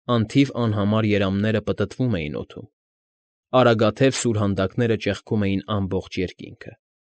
Անթիվ անհամար երամները պտտվում էին օդում, արագաթև սուրհանդակները ճեղքում էին ամբողջ երկինքը։